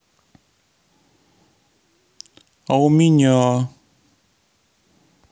а у меня